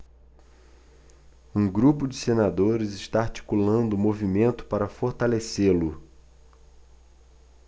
um grupo de senadores está articulando um movimento para fortalecê-lo